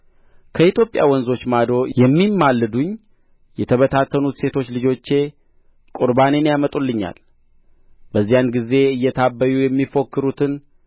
ከኢትዮጵያ ወንዞች ማዶ የሚማልዱኝ የተበተኑት ሴቶች ልጆቼ ቍርባኔን ያመጡልኛል በዚያን ጊዜ እየታበዩ የሚፎክሩትን